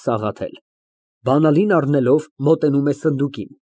ՍԱՂԱԹԵԼ ֊ (Բանալին առնելով, մոտենում է սնդուկին)։